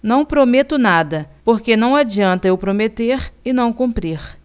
não prometo nada porque não adianta eu prometer e não cumprir